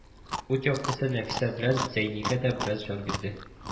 Ут яктысы Нәфисә белән Зәйнигә дә бераз җан бирде